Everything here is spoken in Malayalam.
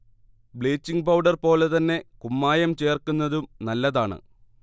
ബ്ലീച്ചിങ് പൗഡർ പോലെ തന്നെ കുമ്മായം ചേർക്കുന്നതും നല്ലതാണ്